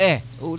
e